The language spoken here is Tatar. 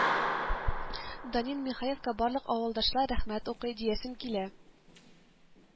Данил Минһаевка барлык авылдашлар рәхмәт укый, диясем килә